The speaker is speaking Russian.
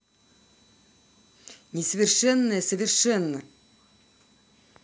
несовершенная совершенно